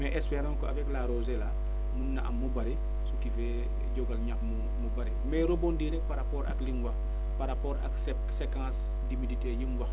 mais espérons que avec la rosée là mun na am mu bëri ce qui fait jógal ñax mu mu bëri may rebondir par rzpport ak li mu wax par rapport ak séque séquence d' humidité yi mu wax